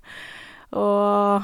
Og...